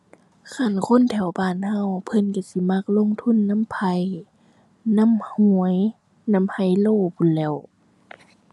คันคนแถวบ้านเราเพิ่นเราสิมักลงทุนนำไพ่ นำหวย นำไฮโลพู้นแหล้ว